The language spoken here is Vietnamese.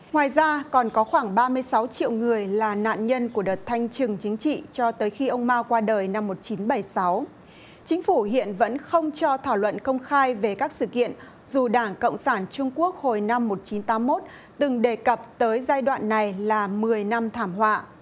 ngoài ra còn có khoảng ba mươi sáu triệu người là nạn nhân của đợt thanh trừng chính trị cho tới khi ông mao qua đời năm một chín bảy sáu chính phủ hiện vẫn không cho thảo luận công khai về các sự kiện dù đảng cộng sản trung quốc hồi năm một chín tám mốt từng đề cập tới giai đoạn này là mười năm thảm họa